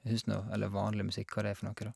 jeg syns nå eller Vanlig musikk, hva det er for noe, da.